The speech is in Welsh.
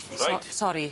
Reit? So- sori.